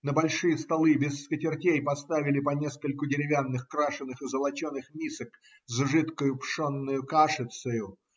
На большие столы без скатертей поставили по нескольку деревянных крашеных и золоченых мисок с жидкою пшенною кашицею